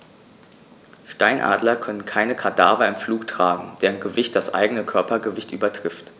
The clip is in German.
Steinadler können keine Kadaver im Flug tragen, deren Gewicht das eigene Körpergewicht übertrifft.